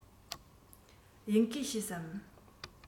དབྱིན སྐད ཤེས སམ